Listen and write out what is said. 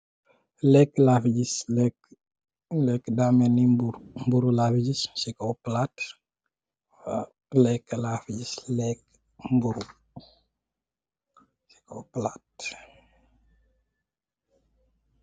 Lekka la fi gis, lekka da melni mburu , mburu la fi gis ci kaw palaat.